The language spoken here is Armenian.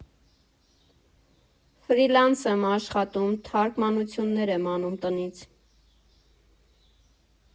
Ֆրիլանս եմ աշխատում՝ թարգմանություններ եմ անում տնից։